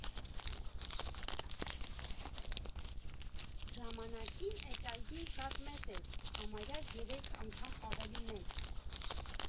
Ժամանակին էս այգին շատ մեծ էր, համարյա երեք ամգամ ավելի մեծ։